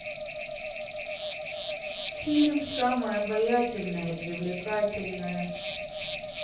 фильм самая обаятельная и привлекательная